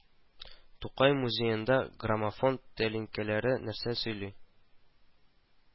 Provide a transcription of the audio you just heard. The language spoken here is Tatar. Тукай музеенда Граммофон тәлинкәләре нәрсә сөйли